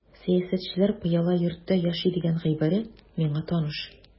Сәясәтчеләр пыяла йортта яши дигән гыйбарә миңа таныш.